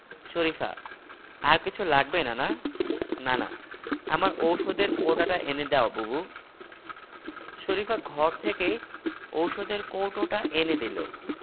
শরিফা আর কিছু লাগবে নানা নানা আমার ঔষধের কৌটোটা এনে দাও বুবু শরিফা ঘর থেকে ঔষধের কৌটোটা এনে দিল